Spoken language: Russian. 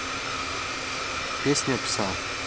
песня пса